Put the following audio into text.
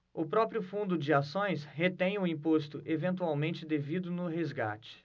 o próprio fundo de ações retém o imposto eventualmente devido no resgate